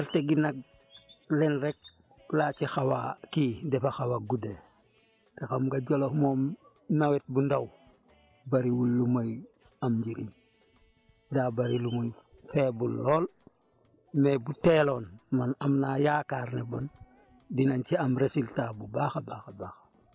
gerte gi nag lenn rek laa ci xaw a kii dafa xaw a guddee te xam nga Djolof moom nawet bu ndaw bëriwul lu muy am njëriñ daa bëri lu muy faible lool mais bu teeloon man am naa yaakaar ne bon dinañ ci am résultat bu baax a baax a baax